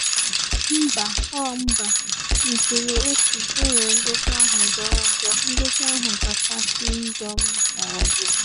Mba, uh mba, m chere otu - enwere ngosi ahụ jọrọ njọ - ngosi ahụ kachasị njọ m hụgoro.”